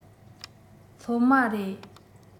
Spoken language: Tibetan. སློབ མ རེད